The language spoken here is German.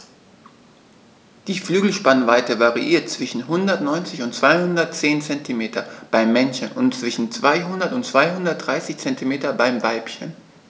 Die Flügelspannweite variiert zwischen 190 und 210 cm beim Männchen und zwischen 200 und 230 cm beim Weibchen.